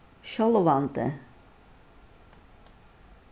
sjálvandi